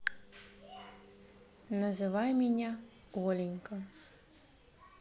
называй меня оленька